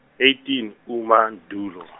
eighteen uMandulo.